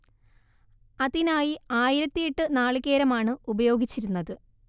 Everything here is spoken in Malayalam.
അതിനായി ആയിരത്തിയെട്ട് നാളികേരമാണ് ഉപയോഗിച്ചിരുന്നത്